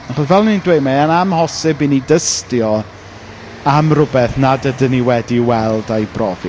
Achos fel o’n i'n dweud, mae e'n amhosib i ni dystio am rywbeth nad ydyn ni wedi ei weld a'i profi.